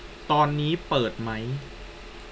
ตอนนี้เปิดไหม